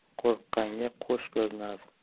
qo'rqqanga qo'sh 'rinar